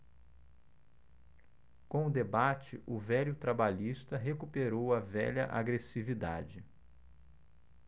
com o debate o velho trabalhista recuperou a velha agressividade